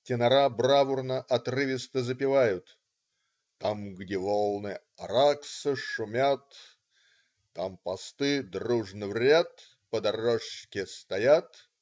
Тенора бравурно, отрывисто запевают: Там, где волны Аракса шумят, Там посты дружно в ряд По дорожке стоят.